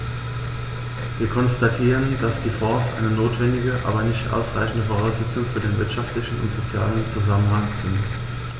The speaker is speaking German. Wir konstatieren, dass die Fonds eine notwendige, aber nicht ausreichende Voraussetzung für den wirtschaftlichen und sozialen Zusammenhalt sind.